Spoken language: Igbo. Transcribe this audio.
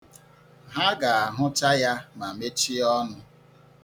Ha ga-ahụcha ya ma mechie ọnụ.